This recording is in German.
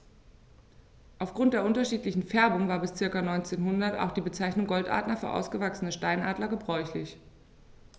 Auf Grund der unterschiedlichen Färbung war bis ca. 1900 auch die Bezeichnung Goldadler für ausgewachsene Steinadler gebräuchlich.